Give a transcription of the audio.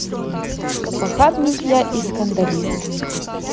что похабник я и скандалист